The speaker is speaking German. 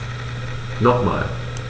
Nochmal.